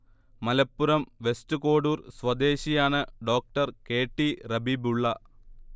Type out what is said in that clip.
Malappuram west Kodur സ്വദേശിയാണ് Dr K T Rabeebulla